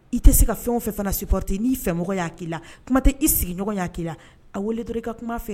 I tɛ se ka fɛn o fɛ fana suote n'i fɛ mɔgɔ y'a' la kuma tɛ i sigiɲɔgɔn y' k' la a weele to i ka kuma fɛ